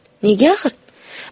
nega axir